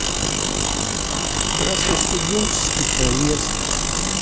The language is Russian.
красностуденческий проезд